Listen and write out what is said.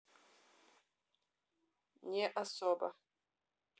не особо